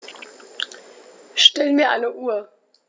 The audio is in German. Stell mir eine Uhr.